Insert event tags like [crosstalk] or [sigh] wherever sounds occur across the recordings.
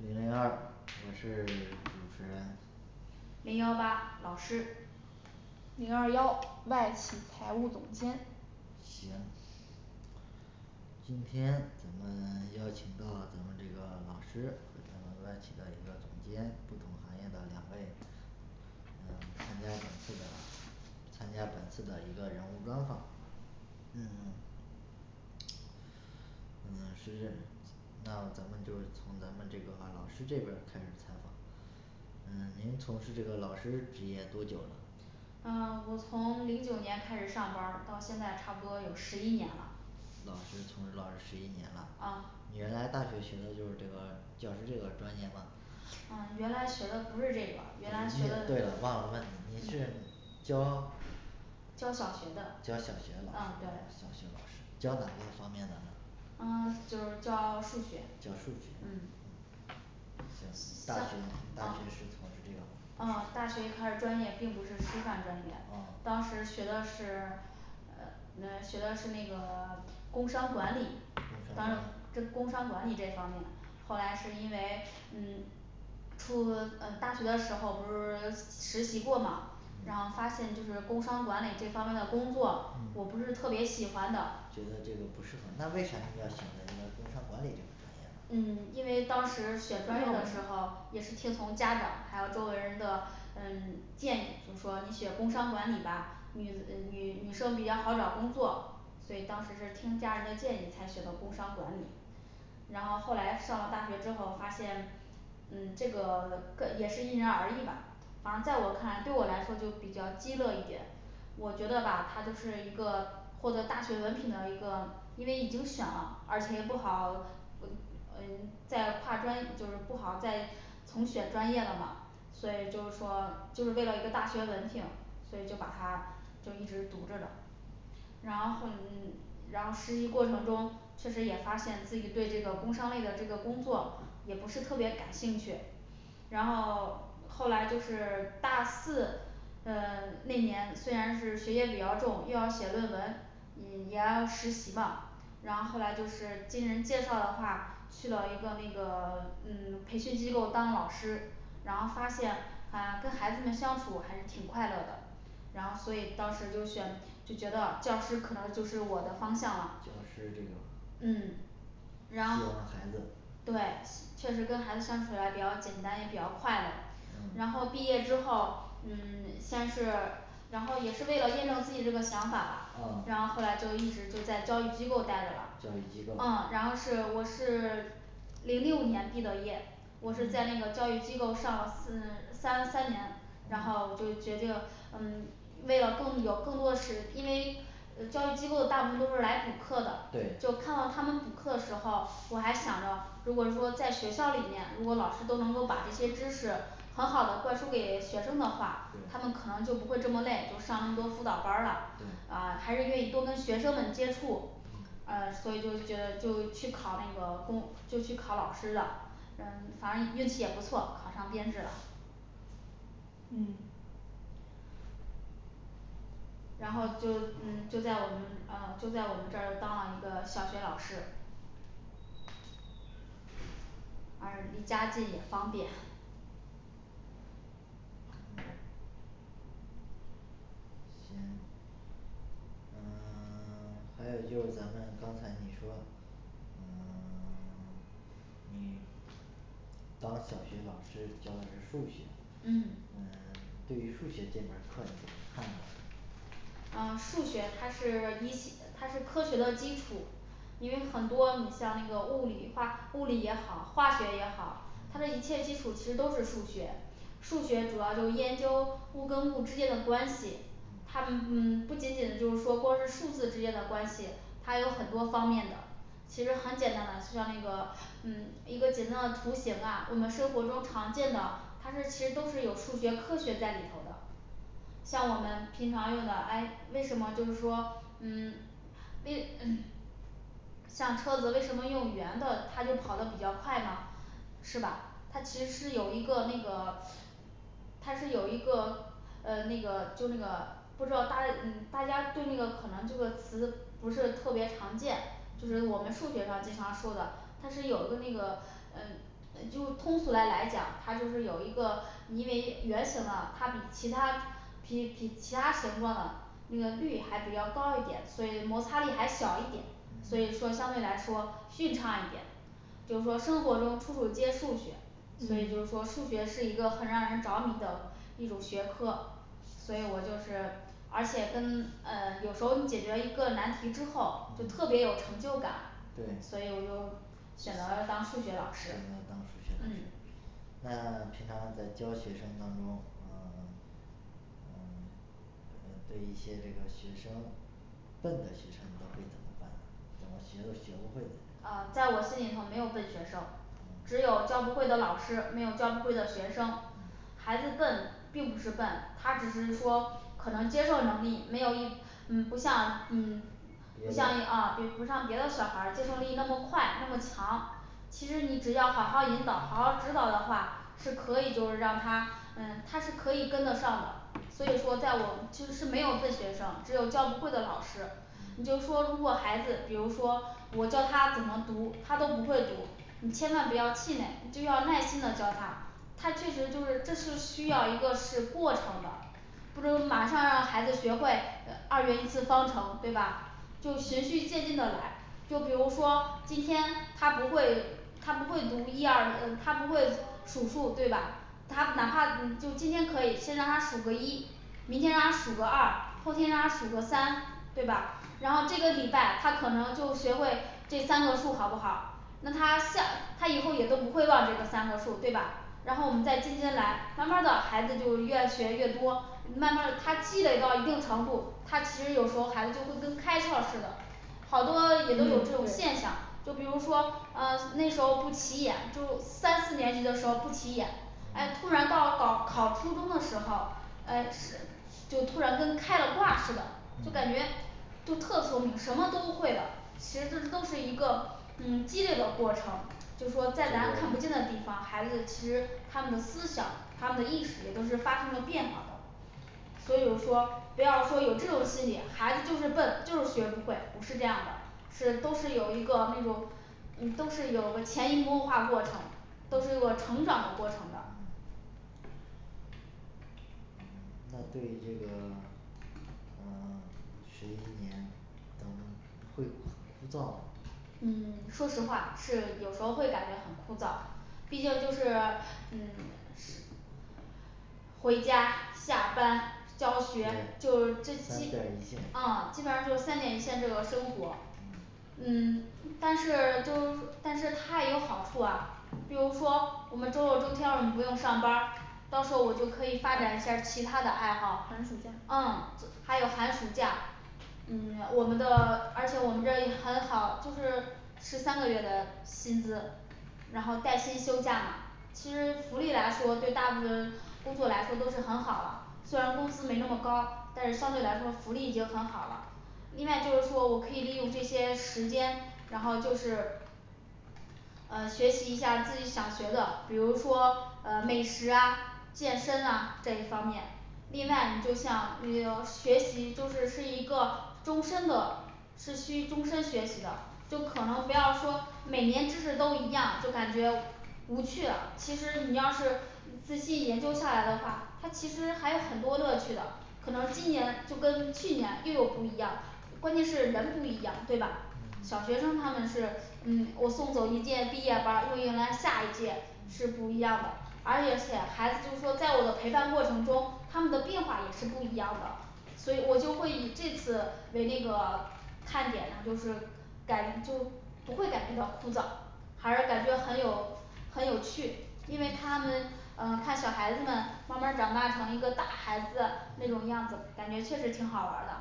零零二我是 [silence] 主持人零幺八老师零二幺外企财务总监行，今天咱们 [silence] 邀请到咱们这个老师和咱们外企的一个总监，不同行业的两位嗯，参加本次的参加本次的一个人物专访嗯嗯嗯是那咱们就从咱们这个啊老师这边儿开始采访嗯您从事这个老师职业多久了啊我从零九年开始上班儿，到现在差不多有十一年啦老师从事老师十一年啦啊，你原来大学学的就是这个教师这个专业吗啊原来学的不是这个，原来学的对了，忘了问你，你是嗯教教小学的教小学的老嗯对师，小学老师，教哪个方面的呢嗯 [silence] 就是教数学教数学嗯行大学大学是从事这个啊呃嗯学的是那个 [silence] 工商管理工商管啊理是工商管理这方面后来是因为嗯处嗯大学的时候不是 [silence] 实习过吗，然嗯后发现就是工商管理这方面的工作你，我不是特别喜欢的觉得这个不适合那为啥你要选择这个工商管理这个专业呢所以当时是听家人的建议才学的工商管理然后后来上了大学之后发现嗯这个 [silence] 个也是因人而异吧反正在我看来对我来说就比较鸡肋一点我觉得吧它就是一个，获得大学文凭的一个，因为已经选了，而且也不好嗯诶再跨专就是不好再重选专业了嘛所以就是说就是为了一个大学文凭所以就把它就一直读着了然后嗯然后实习过程中，确实也发现自己对这个工商类的这个工作也不是特别感兴趣然后后来就是大四嗯 [silence] 那年虽然是学业比较重，又要写论文你你还要实习嘛然后后来就是经人介绍的话，去了一个那个 [silence] 嗯培训机构当老师然后发现啊跟孩子们相处还是挺快乐的然后所以当时就选就觉得教师可能就是我的方向了教师这个嗯就跟然后孩子对，确实跟孩子相起来比较简单，也比较快乐，然嗯后毕业之后，嗯 [silence] 先是然后也是为了验证自己这个想法吧，然啊后后来就一直就在教育机构待着教了育机构，嗯然后是我是 [silence] 零六年毕的业，我是在那个教育机构上嗯三三年然后就决定嗯为了更有更多时因为呃教育机构大部分都是来补课的，对就看到他们补课的时候，我还想着，如果说在学校里面，如果老师都能够把这些知识很好的灌输给学生的话，他们对可能就不会这么累，就上那么多辅导班儿啦，对啊还是愿意多跟学生们接触嗯，嗯所以就学就去考那个公，就去考老师了，嗯反正运气也不错，考上编制了嗯然后就嗯，就在我们，呃就在我们这儿当了一个小学老师而离家近也方便行嗯 [silence] 还有就咱们刚才你说嗯 [silence] 你当小学老师教的是数学，嗯是 [silence] 对于数学这门课儿你怎么看的啊数学它是一，它是科学的基础，因为很多你像那个物理化，物理也好，化学也好，它的一切基础其实都是数学数学主要就研究物跟物之间的关系，它嗯嗯不仅仅就是说光是数字之间的关系，它还有很多方面的其实很简单的就像那个嗯一个简单的图形啊，我们生活中常见的，它是其实都是有数学科学在里头的像我们平常用的哎为什么就是说嗯为嗯像车子为什么用圆的，它就跑得比较快呢，是吧，它其实是有一个那个 [crosstalk] 它是有一个呃那个就那个不知道大家嗯大家对那个可能这个词不是特别常见，就是我们数学上经常说的，它是有个那个呃嗯就通俗来来讲，它就是有一个因为圆形啊它比其它比比其它形状的那个率还比较高一点，所以摩擦力还小一点，所嗯以说相对来说迅畅一点就是说生活中处处皆数学，所以嗯就是说数学是一个很让人着迷的 [crosstalk] 一种学科所以我就是而且跟呃有时候解决了一个难题之后，就嗯特别有成就感，对所以我就选择了当数学老师选择当数学老师嗯那平常你在教学生当中，呃 [silence] 嗯呃对一些这个学生笨的学生你都会怎么办？怎么学都学不会的呃在我心里头没有笨学生，嗯只有教不会的老师没有教不会的学生嗯孩子笨并不是笨，他只是说可能接受能力没有一嗯不像嗯，不别像一 [unintelligible] 的啊，对不像别的小孩儿接受力那么快那么强你千万不要气馁，就要耐心的教他，他确实就是这是个需要一个是过程的马上让孩子学会呃二元一次方程，对吧？就循序渐进的来，就比如说今天他不会他不会读一二，呃他不会读数数对吧？他哪怕嗯就今天可以先让他数个一明天让他数个二，后天让他数个三对吧？然后这个礼拜他可能就学会这三个数好不好那他下他以后也都不会忘这个三个数对吧？然后我们再近近来慢儿慢儿地孩子就越学越多，慢慢儿他积累到一定程度，他其实有时候孩子会就跟开窍似的好多也都有这嗯种现象对，就比如说啊那时候不起眼，就三四年级的时候不起眼，诶嗯突然到了搞考初中的时候，诶是就突然跟开了挂似的，就感觉嗯就特聪明什么都会了其实这是都是一个嗯积累的过程，就是说在咱看不这个见的地方，孩子其实他们的思想，他们的意识也都是发生了变化的所以我说不要说有这种心理，孩子就是笨就是学不会不是这样的，是都是有一个那种嗯都是有个潜移默化过程，都是个成长的过程的嗯嗯 [silence] 说实话是有时候会感觉很枯燥，毕竟就是嗯回家下班教学就是这三基点儿一线啊基本上就三点一线这个生活嗯嗯但是就，但是它也有好处啊，比如说我们周六周天儿我们不用上班儿，到时候我就可以发展一下儿其他的爱寒好暑假，嗯还有寒暑假嗯我们的而且我们这儿也很好就是十三个月的薪资然后带薪休假嘛，其实福利来说对大部分工作来说都是很好啦，虽然工资没那么高，但是相对来说福利已经很好了另外就是说我可以利用这些时间，然后就是呃学习一下儿自己想学的，比如说呃美食啊健身呐这一方面另外你就像学习就是是一个终身的是需终生学习的，就可能不要说每年知识都一样就感觉无趣了，其实你要是仔细研究下来的话，它其实还有很多乐趣的可能今年就跟去年又有不一样关键是人不一样对吧？嗯小学生他们是嗯我送走一届毕业班儿又迎来下一届是嗯不一样的，而且且孩子就是说在我的陪伴过程中，他们的变化也是不一样的所以我就会以这次为那个看点然后就是感就不会感觉到枯燥还是感觉很有很有趣，因为嗯他们呃看小孩子们慢儿慢儿长大成一个大孩子那种样嗯子，感觉确实挺好玩儿的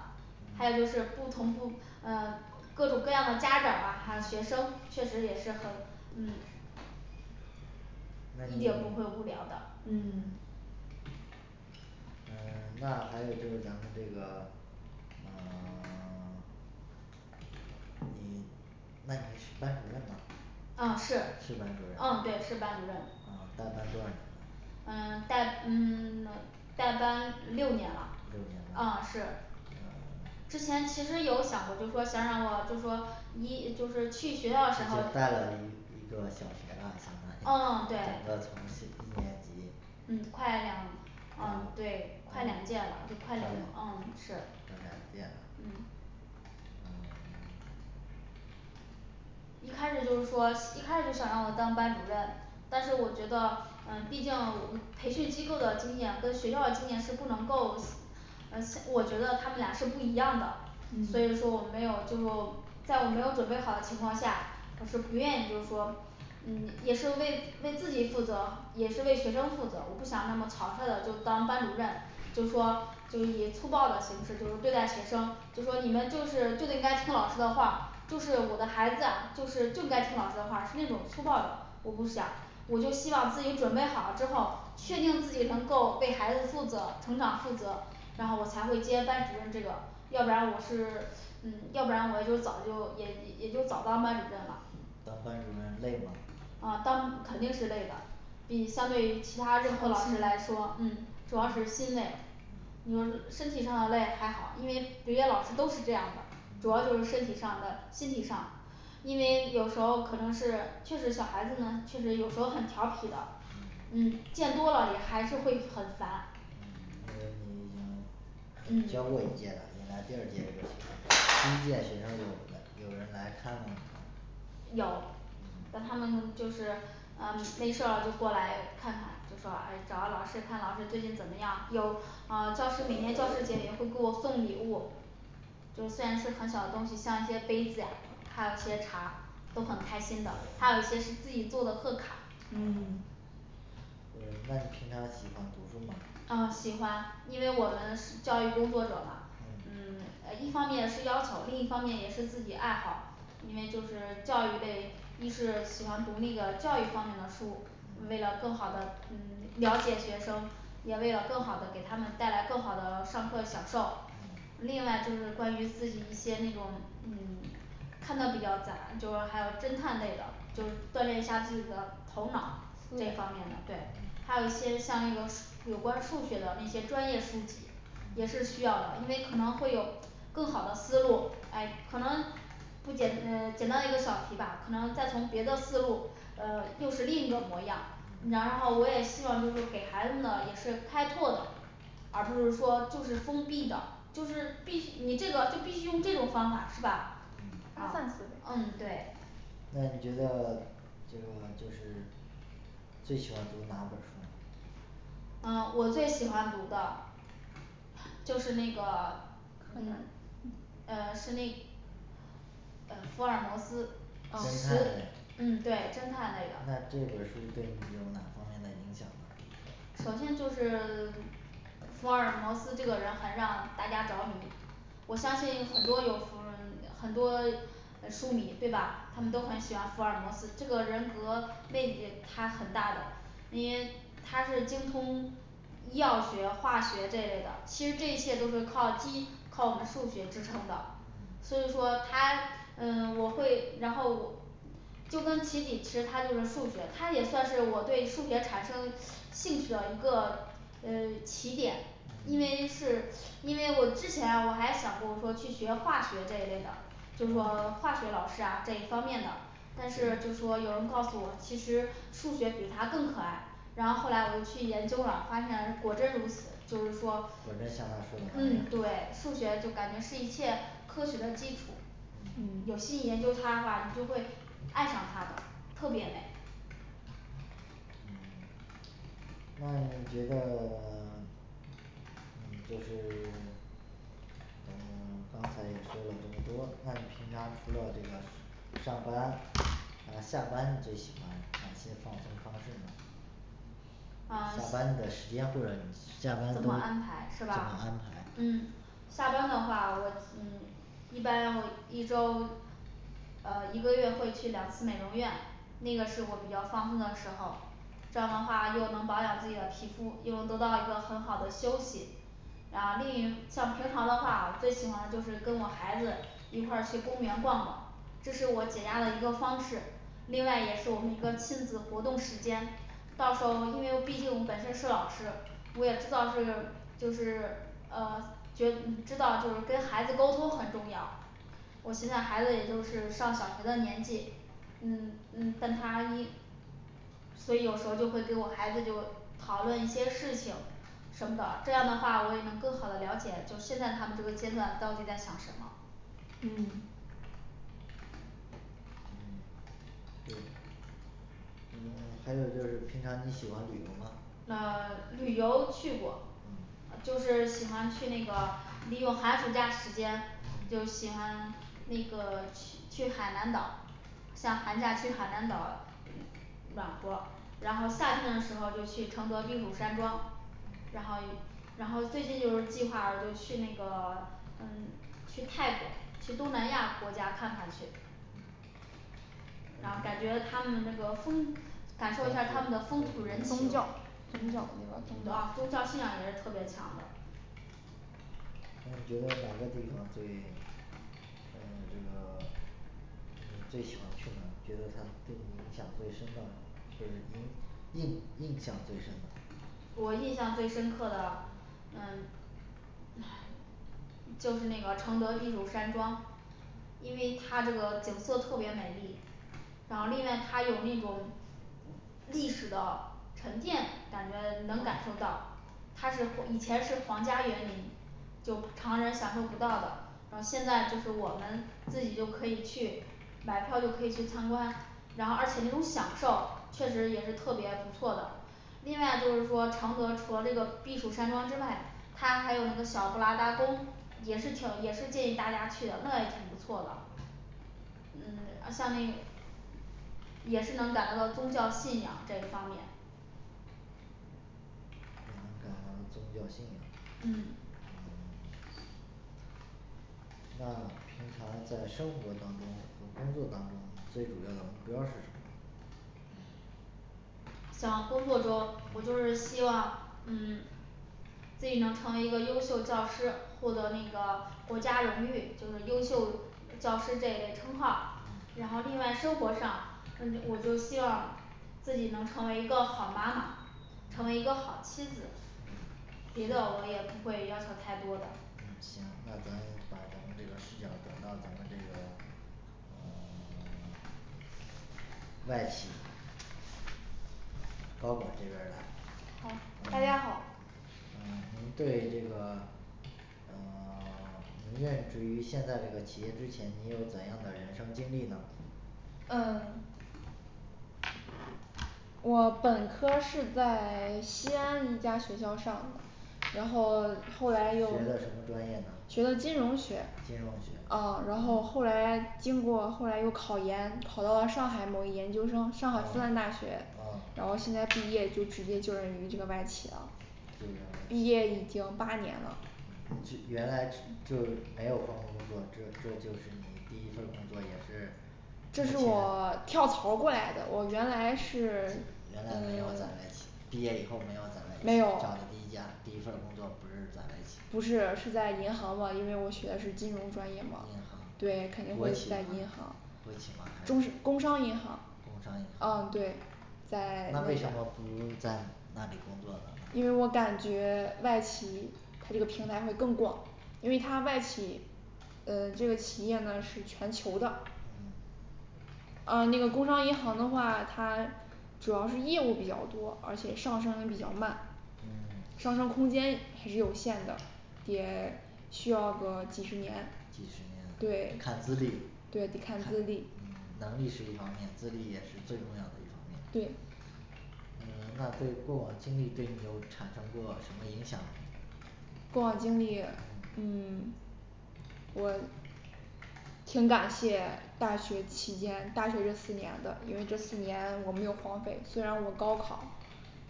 还有就嗯是不同步嗯各种各样的家长啊，还有学生确实也是很嗯那你你也不会无聊的嗯 [silence] 嗯那还有就是咱们这个嗯 [silence] 你那你是班主任吗啊是啊是班主任啊带对是班主任班多少年了嗯带嗯 [silence] 带班六年了六年了啊 [silence] 之前其实有想过就是说咱让我就是说一就是去已经带了一学校时候一个小学啦相当于啊 [noise] 对整个层是一年级嗯快快两两啊对快快两两届届了了就快两嗯嗯 [silence] 是嗯一开始就是说，一开始就想让我当班主任，但是我觉得嗯毕竟我们培训机构的经验跟学校的经验是不能够嗯才 [unintelligible] 我觉得他们俩是不一样的，所以嗯说我没有就说，在我没有准备好的情况下，我是不愿意就是说嗯也是为为自己负责，也是为学生负责，我不想那么草率的就当班主任我就希望自己准备好了之后，确定自己能够为孩子负责成长负责然后我才会接班主任这个，要不然我是，嗯要不然我就早就，也也就早当班主任了嗯当班主任累吗啊当肯定是累的，比相对于其他任课老师来说嗯，主要是心累，嗯你说身体上的累还好，因为别老师都是这样的，主嗯要就是身体上的心理上 [crosstalk] 因为有时候可能是确实小孩子们确实有时候很调皮的嗯，嗯见多了也还是会很烦嗯因为你已经嗯嗯教过一届啦，迎来第二届这个学生，第一届学生有来有人来看望你吗有嗯嗯他们呢就是，嗯没事儿了就过来看看就说哎，找个老师看老师最近怎么样，有啊教师每年教师节也会给我送礼物就虽然是很小的东西，像一些杯子呀，还有一些茶都很开心的，还有一些是自己做的贺卡嗯 [silence] 呃那你平常喜欢读书吗啊喜欢，因为我们是教育工作者嘛，嗯嗯 [silence] 呃一方面是要求，另一方面也是自己爱好因为就是教育类一是喜欢读那个教育方面的书嗯，为了更好的嗯了解学生也为了更好的给他们带来更好的上课享受嗯。另外就是关于自己一些那种嗯 [silence] 看的比较散，就说还有侦探类的，就是锻炼下自己的头脑这方面的，对，嗯还有一些像那个有关数学的那些专业书籍也嗯是需要的，因为可能会有更好的思路，哎可能不简哎简单的一个小题吧，可能再从别的思路呃又是另一个模样，然后我也希望就说给孩子呢也是开拓的而不是说就是封闭的就是必你这个就必须用这种方法是吧嗯发啊散思维嗯对那你觉得这个就是最喜欢读哪本儿书呢啊我最喜欢读的 [crosstalk] 就是那个柯南嗯是那呃福尔摩斯侦啊探类嗯对侦探类的，那这本儿书对你有哪方面的影响呢首先就是 [silence] 福尔摩斯这个人很让大家着迷，我相信有很多有嗯很多 [silence] 呃书迷对吧？他们都很嗯喜欢福尔摩斯，这个人格魅力他很大的，因为他是精通药学化学这一类的，其实这一切都是靠机靠我们数学支撑的，嗯所以说它嗯我会然后就跟齐底池，其实他就是数学，他也算是我对数学产生兴趣的一个嗯起点，因嗯为是 [crosstalk] 因为我之前我还想过我说去学化学这一类的就啊嗯说化学老师啊这一方面的，但是就说有人告诉我，其实数学比它更可爱，然后后来我就去研究了，发现果真如此就是说果真像他说的嗯那样对，数学就感觉是一切科学的基础，嗯嗯有心研究它的话，你就会爱上它的特别美嗯那你觉得 [silence] 你就是 [silence] 嗯 [silence] 刚才也说了这么多，那你平常除了这个是 [unintelligible] 上班，然后下班你最喜欢哪些放松方式呢啊怎下班的时间或者你下班都怎么么安安排排是吧，嗯下班的话我嗯一般我一周呃一个月会去两次美容院，那个是我比较放松的时候，这样的话又能保养自己的皮肤，又能得到一个很好的休息啊另一像平常的话，我最喜欢就是跟我孩子一块儿去公园逛逛，这是我解压的一个方式另外也是我们一个亲子活动时间，到时候因为毕竟本身是老师，我也知道是就是呃觉嗯知道就是跟孩子沟通很重要我现在孩子也就是上小学的年纪嗯嗯但他一所以有时候就会给我孩子就讨论一些事情什么的，这样的话我也能更好的了解就现在他们这个阶段到底在想什么嗯嗯对嗯 [silence] 还有就是平常你喜欢旅游吗呃旅游去过嗯就是喜欢去那个利用寒暑假时间嗯就喜欢那个去去海南岛像寒假去海南岛暖和，然后夏天的时候就去承德避暑山庄然后一然后最近就是计划就去那个 [silence] 嗯，去泰国去东南亚国家看看去&嗯然后感觉他们的那个风感受一下儿他们的风土人情宗，教噢宗教那边儿宗教宗教信仰也是特别强的那你觉得哪个地方最 [silence] 嗯这个 [silence] 就是最喜欢去哪儿，觉得它对你影响最深的吧，就是您印印象最深的我印象最深刻的嗯 [crosstalk] 就是那个承德避暑山庄因为它这个景色特别美丽，然后另外它有那种历史的沉淀，感觉能感受到它是以前是皇家园林就不常人享受不到的，然后现在就是我们自己就可以去买票就可以去参观，然后而且那种享受确实也是特别不错的。另外就是说承德除了这个避暑山庄之外，它还有那个小布拉达宫也是挺也是建议大家去的，那也挺不错的嗯而像那也是能感受到宗教信仰这一方面也能感到宗教信仰嗯嗯 [silence] 那平常在生活当中和工作当中你最主要的目标儿是什么嗯想工作中我就是希望嗯自己能成为一个优秀教师，获得那个国家荣誉，就是优秀教师这一类称号，然嗯后另外生活上嗯我就希望自己能成为一个好妈妈，成为一个好妻子嗯别的我也不会要求太多了嗯行那咱把咱们这个视角儿转到咱们这个呃 [silence] 外企嗯高管这边儿好，大来家好啊嗯您对这个呃 [silence] 您任职于现在这个企业之前，你有怎样的人生经历呢呃我本科儿是在 [silence] 西安一家学校上的然后后来学又的什么专业呢学的金融学金融学啊然后后来经过后来又考研，考到了上海某一研究生，上海复旦大学啊啊。然后现在毕业就直接就任于这个外企了就任外毕业已经八年了嗯至 [unintelligible] 原来至 [unintelligible] 就没有换过工作，只有这就是你第一份儿工作也是目这是前我跳槽儿过来的我原来是原来没嗯有在外企 [silence] 毕业以后没有在外没有企找的第一家第一份儿工作不是在外企不是是在银行嘛因为我学的是金融专业银嘛对肯定行国会是企在银吗行国企吗还中是是工商银行，[unintelligible] 工商银行工商银，啊行对在那为什么不在那里工作了因为我感觉外企它这个平台会更广因为它外企呃这个企业呢是全球的嗯，啊那个工商银行的话它主要是业务比较多，而且上升也比较慢嗯，上升空间是有限的，也 [silence] 需要个几十年几十，对对得年，看看资历看资历嗯，能力是一方面，资历也是最重要的一方面对嗯那对过往经历对你有产生过什么影响？过往经历嗯嗯我挺感谢大学期间大学这四年的，因为这四年我没有荒废，虽然我高考